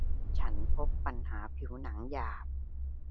ฉันพบปัญหาผิวหนังหยาบ